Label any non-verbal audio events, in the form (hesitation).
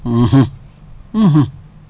(hesitation) (hesitation)